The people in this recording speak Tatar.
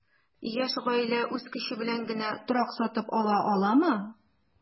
Яшь гаилә үз көче белән генә торак сатып ала аламы?